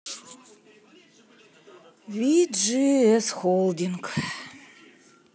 ви джи эс холдинг